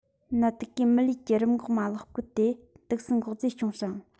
ནད དུག གིས མི ལུས ཀྱི རིམས འགོག མ ལག བསྐུལ ཏེ དུག སྲིན འགོག རྫས འབྱུང ཞིང